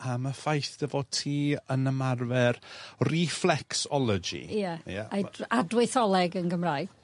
am y ffaith dy fod ti yn ymarfer re-flex-ology. Ie. Ie? Eidry- adweitholeg yn Gymraeg.